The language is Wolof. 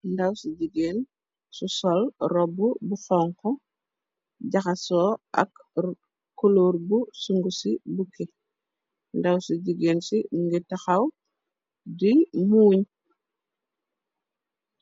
Ndaw su jigeen su sol róbbu bu xonxu jaxasoo ak kulor bu sun'ngufi bukki . Ndaw si jigeen si mugii taxaw di muuñ.